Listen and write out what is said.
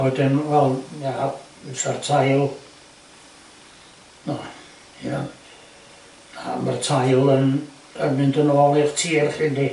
A wedyn wel ia fysa'r tail... o ia... a ma'r tail yn yn mynd yn ôl i'r tir 'lly yndi?